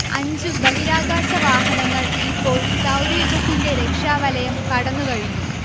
അഞ്ചു ബഹിരാകാശവാഹനങ്ങൾ ഇപ്പോൾ സൗരയൂഥത്തിന്റെ രക്ഷാവലയം കടന്നുകഴിഞ്ഞു